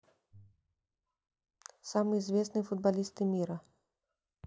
самые известные футболисты мира